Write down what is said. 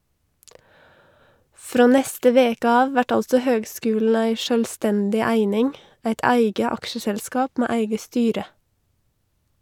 Frå neste veke av vert altså høgskulen ei sjølvstendig eining , eit eige aksjeselskap med eige styre.